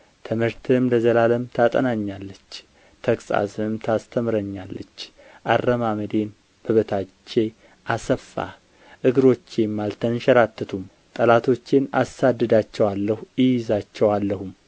ትምህርትህም ለዘላለም ታጠናኛለች ተግሣጽህም ታስተምረኛለች አረማመዴን በበታቼ አሰፋህ እግሮቼም አልተንሸራተቱም ጠላቶቼን አሳድዳቸዋለሁ እይዛቸዋለሁም